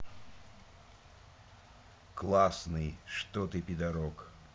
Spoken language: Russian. классный что ты пидорок